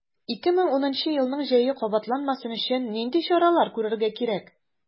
2010 елның җәе кабатланмасын өчен нинди чаралар күрергә кирәк?